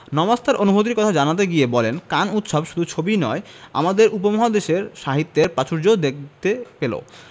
নওয়াজ তার অনুভূতির কথা জানাতে গিয়ে বলেন কান উৎসব শুধু ছবিই নয় আমাদের উপমহাদেশের সাহিত্যের প্রাচুর্যও দেখতে পেল